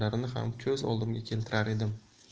yo'llarini ham ko'z oldimga keltirar edim